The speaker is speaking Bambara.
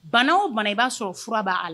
Banaw ban i b'a sɔrɔ furauraba a la